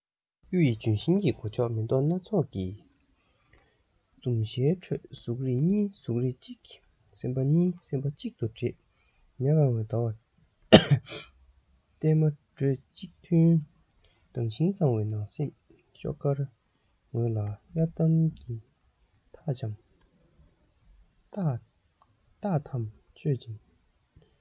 གཡུ ཡི ལྗོན ཤིང གི མགོ ལྕོག མེ ཏོག སྣ ཚོགས ཀྱི འཛུམ ཞལ ཁྲོད གཟུགས རིས གཉིས གཟུགས རིས གཅིག སེམས པ གཉིས སེམས པ གཅིག ཏུ འདྲེས ཉ གང བའི ཟླ བར བལྟས མ བགྲོས གཅིག མཐུན དྭངས ཤིང གཙང བའི ནང སེམས ཤོག དཀར ངོས ལ གཡར དམ གྱི རྟགས ཐམ བཀོད ཅིང